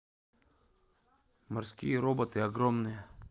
морские роботы огромные